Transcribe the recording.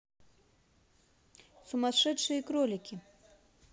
сумасшедшие кролики